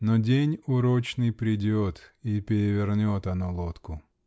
Но день урочный придет -- и перевернет оно лодку.